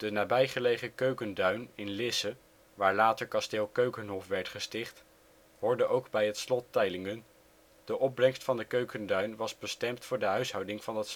nabij gelegen Keukenduin in Lisse (waar later kasteel Keukenhof werd gesticht) hoorde ook bij het Slot Teylingen (de opbrengst van de Keukenduin was bestemd voor de huishouding van het